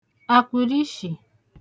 àkpụ̀rịshị̀